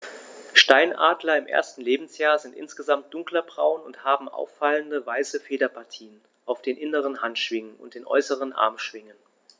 Steinadler im ersten Lebensjahr sind insgesamt dunkler braun und haben auffallende, weiße Federpartien auf den inneren Handschwingen und den äußeren Armschwingen.